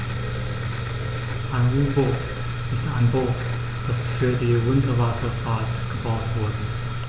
Ein U-Boot ist ein Boot, das für die Unterwasserfahrt gebaut wurde.